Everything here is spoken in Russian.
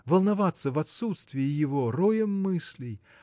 волноваться в отсутствии его роем мыслей